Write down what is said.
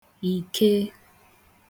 ìkēē